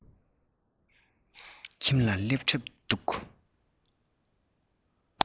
ཁྱིམ ལ སླེབས གྲབས འདུག